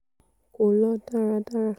Kò Lọ Dáradara